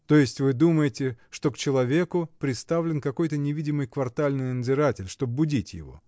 — То есть вы думаете, что к человеку приставлен какой-то невидимый квартальный надзиратель, чтоб будить его?